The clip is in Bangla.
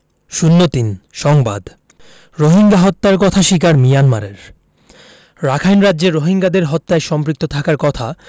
০৩ সংবাদ রোহিঙ্গা হত্যার কথা স্বীকার মিয়ানমারের রাখাইন রাজ্যে রোহিঙ্গাদের হত্যায় সম্পৃক্ত থাকার কথা